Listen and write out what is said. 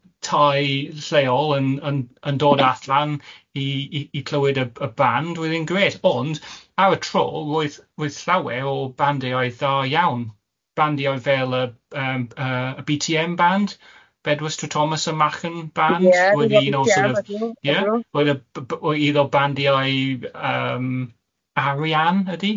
tai lleol yn yn yn dod allan i i i clywed y y band oedd e'n grêt, ond ar y tro roedd roedd llawer o bandiau da iawn, bandiau fel y yym yy y Bee Tee Em band, Bedwyr Stry Thomas y Machyn band... Ie dwi'n gwbod y Bee tee Em. ...roedd un o'r sort of ie roedd y b- b- oedd iddo o bandiau yym araian ydi?